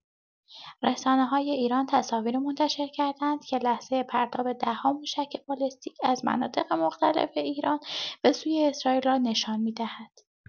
رسانه‌های ایران تصاویری منتشر کردند که لحظه پرتاب ده‌ها موشک بالستیک از مناطق مختلف ایران به سوی اسرائیل را نشان می‌دهد.